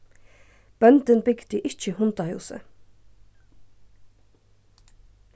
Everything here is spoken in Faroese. bóndin bygdi ikki hundahúsið